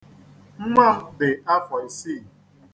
Nwa m dị afọ isii.